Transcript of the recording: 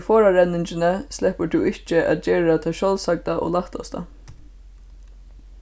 í forðarenningini sleppur tú ikki at gera tað sjálvsagda og lættasta